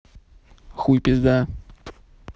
хуй пизда